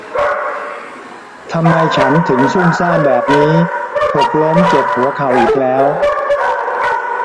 ทำไมฉันถึงซุ่มซ่ามแบบนี้หกล้มเจ็บหัวเข่าอีกแล้ว